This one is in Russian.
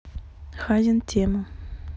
хазин тема